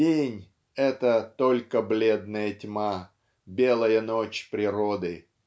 День -- это только бледная тьма, белая ночь природы